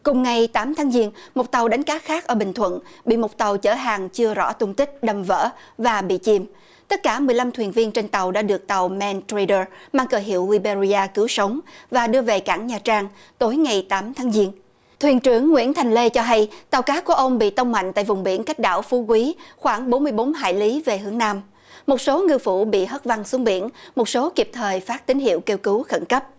cùng ngày tám tháng giêng một tàu đánh cá khác ở bình thuận bị một tàu chở hàng chưa rõ tung tích đâm vỡ và bị chìm tất cả mười lăm thuyền viên trên tàu đã được tàu mên truây đơ mang cờ hiệu ghin be ri a cứu sống và đưa về cảng nha trang tối ngày tám tháng giêng thuyền trưởng nguyễn thành lê cho hay tàu cá của ông bị tông mạnh tại vùng biển cách đảo phú quý khoảng bốn mươi bốn hải lý về hướng nam một số ngư phụ bị hất văng xuống biển một số kịp thời phát tín hiệu kêu cứu khẩn cấp